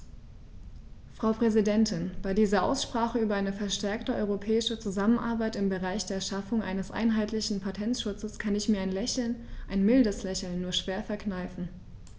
Frau Präsidentin, bei dieser Aussprache über eine verstärkte europäische Zusammenarbeit im Bereich der Schaffung eines einheitlichen Patentschutzes kann ich mir ein Lächeln - ein mildes Lächeln - nur schwer verkneifen.